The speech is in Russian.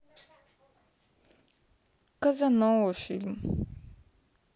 казанова фильм